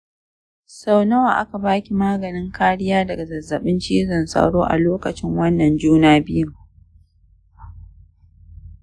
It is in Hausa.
sau nawa aka ba ki maganin kariya daga zazzaɓin cizon sauro a lokacin wannan juna biyun?